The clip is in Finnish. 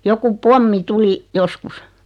joku pommi tuli joskus